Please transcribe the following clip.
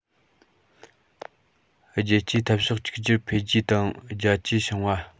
རྒྱལ གཅེས འཐབ ཕྱོགས གཅིག གྱུར འཕེལ རྒྱས དང རྒྱ སྐྱེད བྱུང བ